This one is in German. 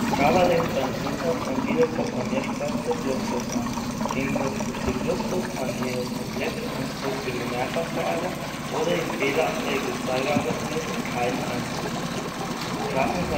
Java lehnt seine Syntax an die der Programmiersprache C++ an. Im Gegensatz zu C++ fanden jedoch komplexe Konstrukte wie Mehrfachvererbung oder die fehleranfällige Zeigerarithmetik keinen Einzug. Klassen